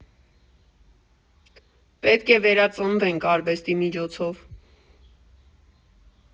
Պետք է վերածնվենք արվեստի միջոցով։